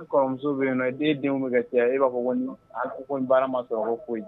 Karamɔgɔmuso bɛ yen den denw bɛ kɛ caya i b'a fɔ ko ko baara ma sɔrɔ ko koyi